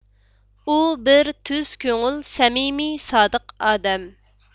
ئۇ بىر تۈز كۆڭۈل سەمىمىي سادىق ئادەم